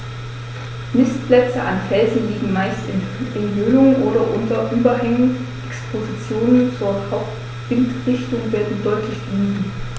Nistplätze an Felsen liegen meist in Höhlungen oder unter Überhängen, Expositionen zur Hauptwindrichtung werden deutlich gemieden.